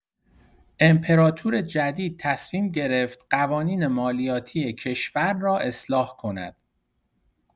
امپراطور جدید تصمیم گرفت قوانین مالیاتی کشور را اصلاح کند.